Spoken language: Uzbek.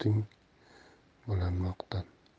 oting bilan maqtan